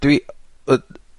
...dwi y- yn